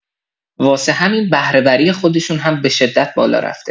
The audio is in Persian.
واسه همین بهره‌وری خودشون هم به‌شدت بالا رفته.